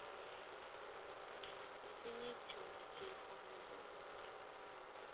извините у меня телефон не звонит